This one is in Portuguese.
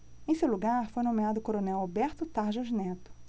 em seu lugar foi nomeado o coronel alberto tarjas neto